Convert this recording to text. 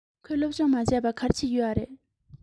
ཁོས སློབ སྦྱོང མ བྱས པར ག རེ བྱེད ཀྱི ཡོད རས